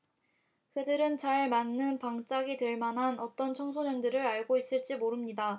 그들은 잘 맞는 방짝이 될 만한 어떤 청소년들을 알고 있을지 모릅니다